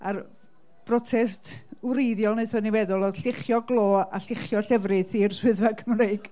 a'r brotest wreiddiol, wnaethon ni feddwl, oedd lluchio glo a lluchio llefrith i'r swyddfa Cymreig.